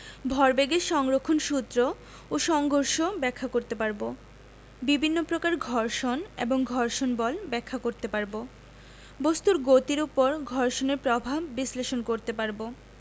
ভরবেগের সংরক্ষণ সূত্র ও সংঘর্ষ ব্যাখ্যা করতে পারব বিভিন্ন প্রকার ঘর্ষণ এবং ঘর্ষণ বল ব্যাখ্যা করতে পারব বস্তুর গতির উপর ঘর্ষণের প্রভাব বিশ্লেষণ করতে পারব